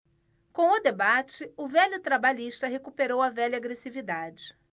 com o debate o velho trabalhista recuperou a velha agressividade